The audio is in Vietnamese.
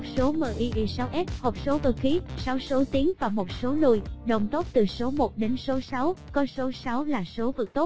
hộp số myy s hộp số cơ khí số tiến và số lùi đồng tốc từ số đến số có số là số vượt tốc